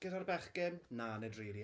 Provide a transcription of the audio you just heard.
gyda'r bechgyn, na nid rili.